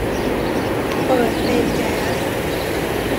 เปิดเพลงแจ๊ส